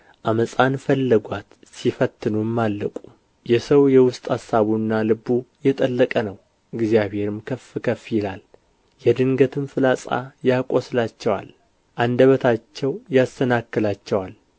ዓመፃን ፈልጓት ሲፈትኑም አለቁ የሰው የውስጥ አሳቡና ልቡ የጠለቀ ነው እግዚአብሔርም ከፍ ከፍ ይላል የድንገትም ፍላጻ ያቈስላቸዋል አንደበታቸው ያሰናክላቸዋል